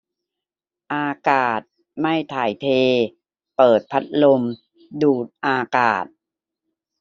อากาศไม่ถ่ายเทเปิดพัดลมดูดอากาศ